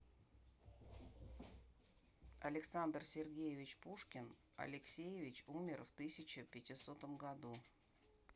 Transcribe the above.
александр сергеевич пушкин алексеевич умер в тысяча пятисотом году